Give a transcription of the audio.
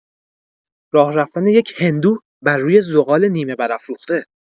راه‌رفتن یک هندو بر روی ذغال نیمه‌برافروخته